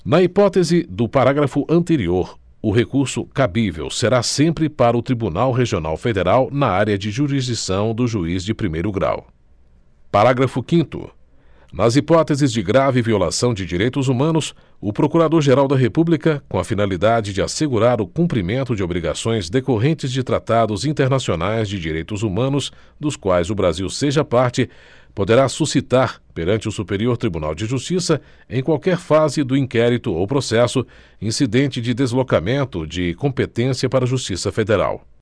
na hipótese do parágrafo anterior o recurso cabível será sempre para o tribunal regional federal na área de jurisdição do juiz de primeiro grau parágrafo quinto nas hipóteses de grave violação de direitos humanos o procurador geral da república com a finalidade de assegurar o cumprimento de obrigações decorrentes de tratados internacionais de direitos humanos dos quais o brasil seja parte poderá suscitar perante o superior tribunal de justiça em qualquer fase do inquérito ou processo incidente de deslocamento de competência para a justiça federal